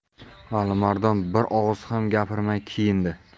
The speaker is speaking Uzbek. alimardon bir og'iz ham gapirmay kiyindi